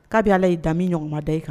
K'abi ala y'i dami ɲɔgɔnma da e kan